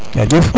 jajef